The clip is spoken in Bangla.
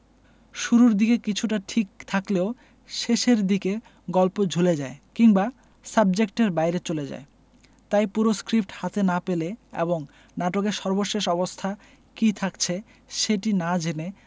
শুরুর দিকে কিছুটা ঠিক থাকলেও শেষের দিকে গল্প ঝুলে যায় কিংবা সাবজেক্টের বাইরে চলে যায় তাই পুরো স্ক্রিপ্ট হাতে না পেলে এবং নাটকের সর্বশেষ অবস্থা কী থাকছে সেটি না জেনে